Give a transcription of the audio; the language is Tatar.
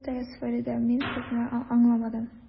Гафу итегез, Фәридә, мин Сезне аңламадым.